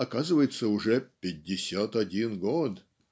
оказывается уже "пятьдесят один год"